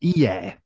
Ie.